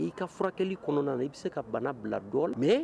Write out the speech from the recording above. N' ka furakɛli kɔnɔna i bɛ se ka bana bila dɔ mɛ